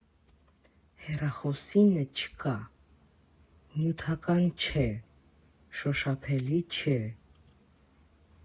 Հեռախոսինը՝ չկա, նյութական չէ, շոշափելի չէ։